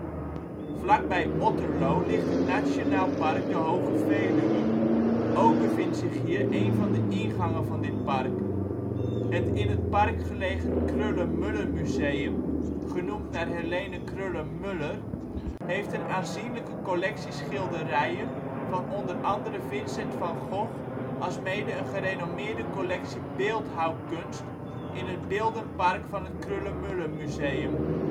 Vlakbij Otterlo ligt het Nationaal Park De Hoge Veluwe. Ook bevindt zich hier één van de ingangen van dit park. Het in het park gelegen Kröller-Müller Museum, genoemd naar Helene Kröller-Müller, heeft een aanzienlijke collectie schilderijen van onder andere Vincent van Gogh, alsmede een gerenommeerde collectie beeldhouwkunst in het Beeldenpark van het Kröller-Müller Museum